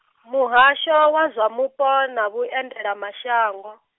Muhasho wa Mupo na Vhuendelamashango.